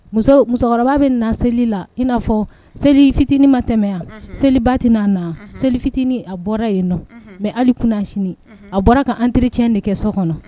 Muso musokɔrɔba bɛ na seli la i in'a fɔ seli fitinin ma tɛmɛya selibat'a na seli fitinin a bɔra yen nɔ mɛ hali kunna sini a bɔra ka an terirec de kɛ so kɔnɔ